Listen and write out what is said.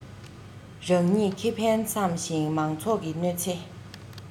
རང ཉིད ཁེ ཕན བསམ ཞིང མང ཚོགས ཀྱི གནོད ཚེ